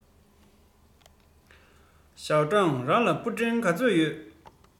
ཞའོ ཀྲང རང ལ ཕུ འདྲེན ག ཚོད ཡོད